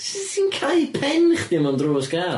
Sut ti'n cau pen chdi mewn drws car.